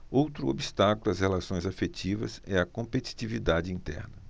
outro obstáculo às relações afetivas é a competitividade interna